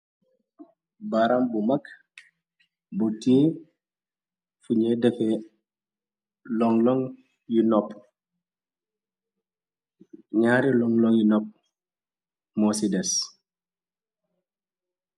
Baram bu mag bu tè fu ñey defee lonloŋ yu nopp. Ñaari lonloŋ yu nopp moo ci dès.